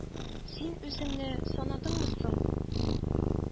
— син үзеңне санадыңмы соң?